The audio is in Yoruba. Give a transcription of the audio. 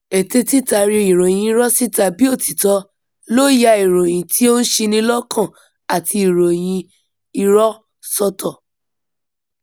Ète títari ìròyìn irọ́ síta bí òtítọ́, ló ya ìròyìn tí ó ń ṣini lọ́kàn àti ìròyìn irọ́ sọ́tọ́.